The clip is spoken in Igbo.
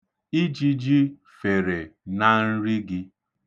Ijiji fere na nri gị.